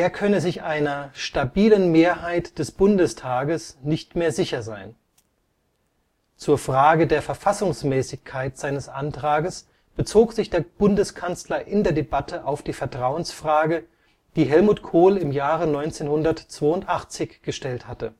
könne sich einer „ stabilen Mehrheit des Bundestages “nicht mehr sicher sein. Zur Frage der Verfassungsmäßigkeit seines Antrages bezog sich der Bundeskanzler in der Debatte auf die Vertrauensfrage, die Helmut Kohl im Jahre 1982 gestellt hatte